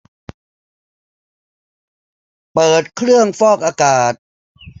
เปิดเครื่องฟอกอากาศ